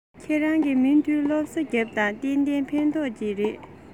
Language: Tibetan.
ཁྱེད རང གིས མུ མཐུད སློབ གསོ རྒྱོབས དང གཏན གཏན ཕན ཐོགས ཀྱི རེད